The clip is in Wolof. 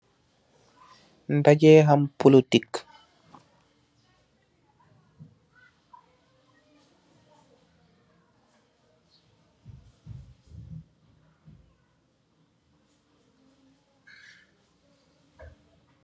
Ndajee ham polotic.